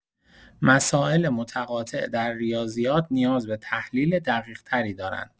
مسائل متقاطع در ریاضیات نیاز به تحلیل دقیق‌تری دارند.